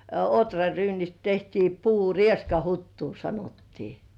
ohraryynistä tehtiin - rieskahuttua sanottiin